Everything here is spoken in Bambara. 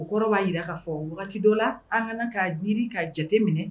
O kɔrɔ b'a jira k'a fɔ wagati dɔ la an kana kaa ɲini ka jate minɛ